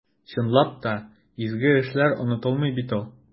Чынлап та, изге эшләр онытылмый бит ул.